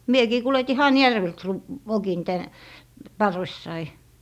minäkin kuljetin Hanhijärveltä sen - vokin tänne parvessani